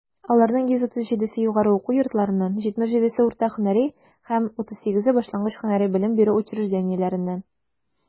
Аларның 137 се - югары уку йортларыннан, 77 - урта һөнәри һәм 38 башлангыч һөнәри белем бирү учреждениеләреннән.